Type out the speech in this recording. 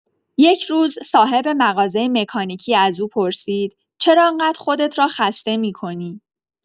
یک روز، صاحب مغازۀ مکانیکی از او پرسید: «چرا این‌قدر خودت را خسته می‌کنی؟»